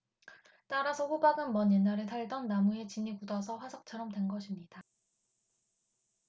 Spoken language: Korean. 따라서 호박은 먼 옛날에 살던 나무의 진이 굳어서 화석처럼 된 것입니다